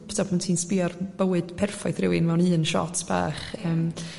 t'bo pan ti'n sbïo ar bywyd perffaith rywun mewn un siot bach yym